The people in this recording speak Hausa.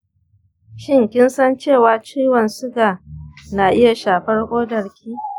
shin kin san cewa ciwon suga na iya shafar kodarki?